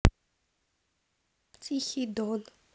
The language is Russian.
тихий дон